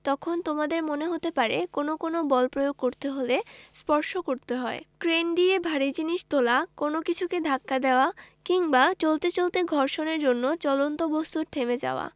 তখন তোমাদের মনে হতে পারে কোনো কোনো বল প্রয়োগ করতে হলে স্পর্শ করতে হয় ক্রেন দিয়ে ভারী জিনিস তোলা কোনো কিছুকে ধাক্কা দেওয়া কিংবা চলতে চলতে ঘর্ষণের জন্য চলন্ত বস্তুর থেমে যাওয়া